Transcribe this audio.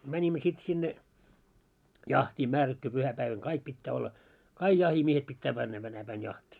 menimme sitten sinne jahtiin määrätty pyhäpäivänä kaikki pitää olla kaikki jahtimiehet pitää mennä tänä päin jahtiin